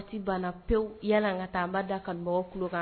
Banna pewu yala ka taa anba da a ka mɔgɔkan